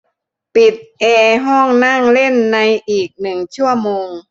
ปิดแอร์ห้องนั่งเล่นในอีกหนึ่งชั่วโมง